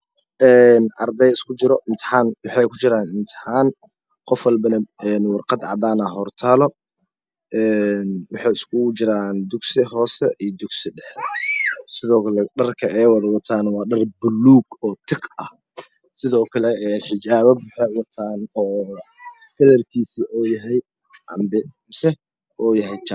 Ee arday isku jiro waxay ku jiraan imtixaan qof walba waraaqad cadaan ayaa ad taalo ee waxay isku jiraan dugsi hoose iyo dugsi dhaxe sidoo kale dharta ay wataan dhar baluud oo tiq ah sidoo kale xijaabab ay wataan oo dhararkiisa oo yahay cambe mise jaale